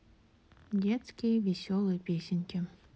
детские веселые песенки